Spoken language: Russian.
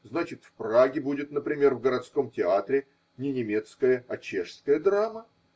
Значит, в Праге будет, например, в городском театре не немецкая, а чешская драма?